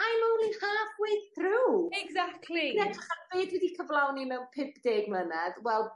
I'm only half way through! Exactly. Dwi'n edrych ar be' dwi 'di cyflawni mewn pump deg mlynedd wel